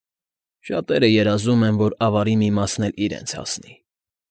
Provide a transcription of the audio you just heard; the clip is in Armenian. Շատերը երազում են, որ ավարի մի մասն էլ իրենց հասնի։